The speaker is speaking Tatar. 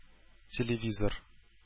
Телевизор